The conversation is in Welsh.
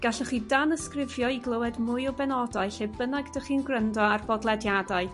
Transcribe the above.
Gallwch chi danysgrifio i glywed mwy o benodau lle bynnag dych chi'n gwryndo ar bodlediadau.